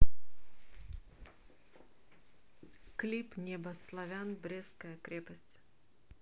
клип небо славян брестская крепость